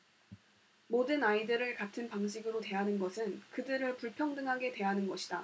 모든 아이들을 같은 방식으로 대하는 것은 그들을 불평등하게 대하는 것이다